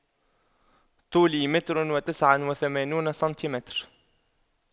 طولي متر وتسعا وثمانون سنتيمتر